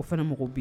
O fana mɔgɔw bi